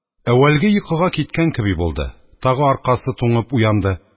Әүвәле йокыга киткән кеби булды, тагы аркасы туңып уянды.